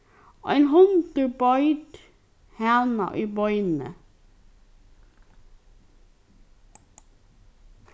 ein hundur beit hana í beinið